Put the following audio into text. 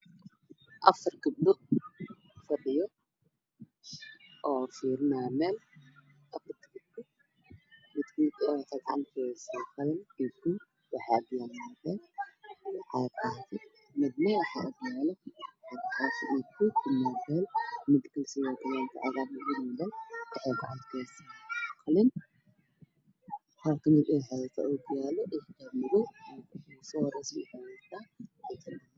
Afar gabdho oo fadhiya oo firinaayo meel, midi waxay gacanta kuheysaa qalin waxaa agyaalo muubeel iyo caag caafi ah , mida kale waxaa horyaala caag caafi ah gacanta kuheysaa qalin waxay wadataa ookiyaalo iyo xijaab madow.